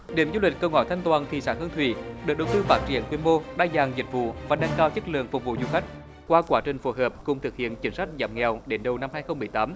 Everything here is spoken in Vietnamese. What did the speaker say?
điểm du lịch cầu ngói thanh toàn thị xã hương thủy được đầu tư phát triển quy mô đa dạng dịch vụ và nâng cao chất lượng phục vụ du khách qua quá trình phối hợp cùng thực hiện chính sách giảm nghèo đến đầu năm hai không mười tám